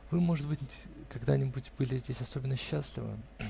вы, может быть, когда-нибудь были здесь особенно счастливы.